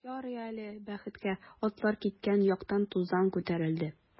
Ярый әле, бәхеткә, атлар киткән яктан тузан күтәрелде.